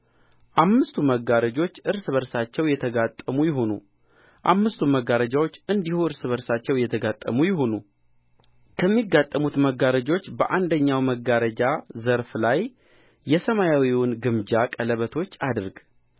አምስቱ መጋረጆች እርስ በርሳቸው የተጋጠሙ ይሁኑ አምስቱም መጋረጆች እንዲሁ እርስ በርሳቸው የተጋጠሙ ይሁኑ ከሚጋጠሙት መጋረጆች በአንደኛው መጋረጃ ዘርፍ ላይ የሰማያዊውን ግምጃ ቀለበቶች አድርግ